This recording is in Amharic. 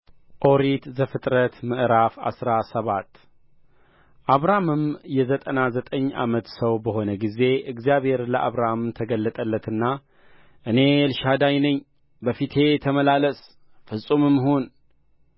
ኦሪት ዘፍጥረት ምዕራፍ አስራ ሰባት አብራምም የዘጠና ዘጠኝ ዓመት ሰው በሆነ ጊዜ እግዚአብሔር ለአብራም ተገለጠለትና እኔ ኤልሻዳይ ነኝ በፊቴ ተመላለስ ፍጹምም ሁን